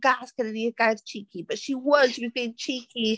Gas gyda fi'r gair cheeky but she was. She was being cheeky.